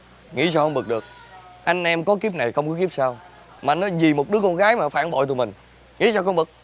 nghĩ sao không bực được anh em có kiếp này không có kiếp sau mà anh nói vì một đứa con gái mà nó phản bội tụi mình nghĩ sao không bực